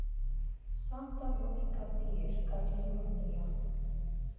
Սանտա Մոնիկա պիեր, Կալիֆորնիա։